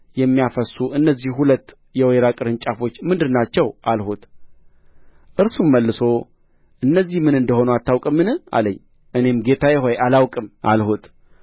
የሚያፈስሱ እነዚህ ሁለት የወይራ ቅርንጫፎች ምንድር ናቸው አልሁት እርሱም መልሶ እነዚህ ምን እንደ ሆኑ አታውቅምን አለኝ እኔም ጌታዬ ሆይ አላውቅም አልሁት